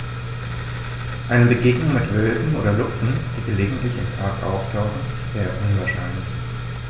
Eine Begegnung mit Wölfen oder Luchsen, die gelegentlich im Park auftauchen, ist eher unwahrscheinlich.